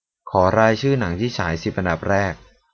ขอรายชื่อหนังที่ฉายสิบอันดับแรก